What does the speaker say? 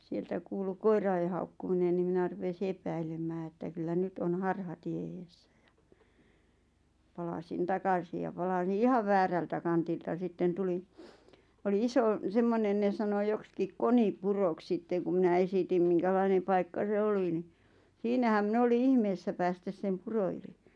sieltä kuului koirien haukkuminen niin minä rupesi epäilemään että kyllä nyt on harhatie edessä ja palasin takaisin ja palasin ihan väärältä kantilta sitten tulin oli iso semmoinen ne sanoi joksikin Konipuroksi sitten kun minä esitin minkälainen paikka se oli niin siinähän minä oli ihmeessä päästä sen puro yli